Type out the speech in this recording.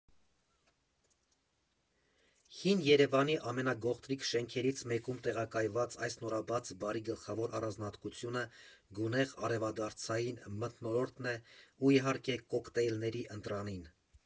Հին Երևանի ամենագողտրիկ շենքերից մեկում տեղակայված այս նորաբաց բարի գլխավոր առանձնահատկությունը գունեղ, արևադարձային մթնոլորտն է ու, իհարկե, կոկտեյլների ընտրանին։